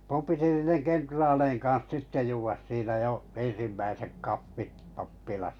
minun piti niiden kenraalien kanssa sitten juoda siinä jo ensimmäiset kahvit pappilassa